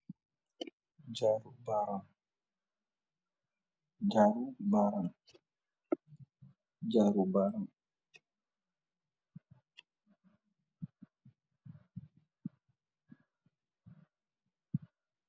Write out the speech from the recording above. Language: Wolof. Jaaru baram, Jaaru baram, Jaaru baram.